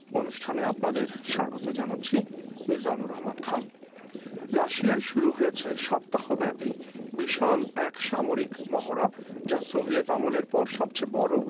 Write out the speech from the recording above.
অনুষ্ঠানে আপনাদের স্বাগত জানাচ্ছি মিজানুর রহমান খান রাশিয়ায় শুরু হয়েছে সপ্তাহব্যাপী বিশাল এক সামরিক মহড়া যা সোভিয়েত আমলের পর সবচেয়ে বড়